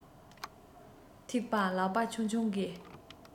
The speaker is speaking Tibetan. ཐིགས པ ལག པ ཆུང ཆུང གིས